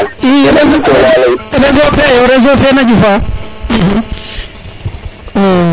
i réseau fe yo réseau fe na ƴufa